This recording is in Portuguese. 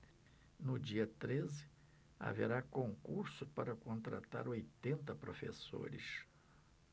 no dia treze haverá concurso para contratar oitenta professores